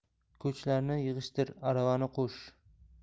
ko'chlarni yig'ishtir aravani qo'sh